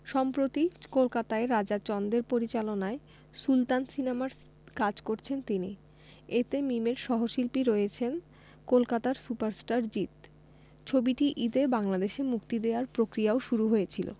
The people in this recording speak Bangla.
সম্প্রতি কলকাতায় রাজা চন্দের পরিচালনায় সুলতান সিনেমার কাজ করেছেন তিনি এতে মিমের সহশিল্পী রয়েছেন কলকাতার সুপারস্টার জিৎ ছবিটি ঈদে বাংলাদেশে মুক্তি দেয়ার প্রক্রিয়াও শুরু হয়েছিল